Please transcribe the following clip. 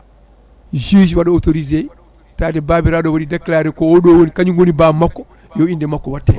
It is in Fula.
juge waɗa autoriser taade babiraɗo o waɗi déclaré ko oɗo woni kañum woni bammakko yo inde makko watte hen